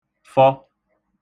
fọ